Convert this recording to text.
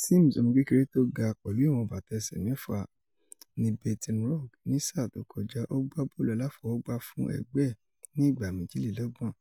Sims, ọmọ kékeré tó ga pẹ̀lú ìwọ̀n bàtà ẹsẹ̀ méfà, ní Baton Rogue. Ní sáà tó kọjá, ó gbá bọ́ọ̀lu-aláfọwọ́gbá fún ẹgbẹ́ ẹ̀ ní ìgbà méjìlélọ́gbọ̀n (32).